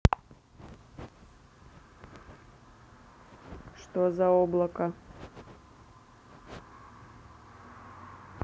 что за облако